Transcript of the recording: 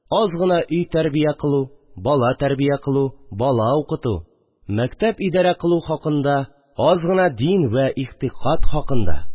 Аз гына өй тәрбия кылу, бала тәрбия кылу, бала укыту, мәктәп идарә кылу хакында, аз гына дин вә игътикад хакында